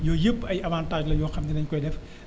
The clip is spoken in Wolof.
yooyu yëpp ay avantages la yoo xam ni dañ koy def